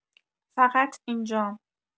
فقط اینجام.